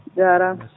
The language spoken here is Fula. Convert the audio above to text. jaaraama